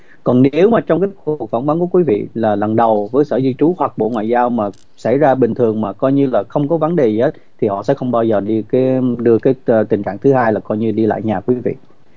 còn nếu mà trong cái cuộc phỏng vấn của quý vị là lần đầu với sở di trú hoặc bộ ngoại giao mà xảy ra bình thường mà coi như là không có vấn đề gì hết thì họ sẽ không bao giờ đi cái đưa cái tình trạng thứ hai là coi như đi lại nhà quý vị